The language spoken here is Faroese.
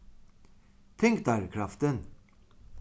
tyngdarkraftin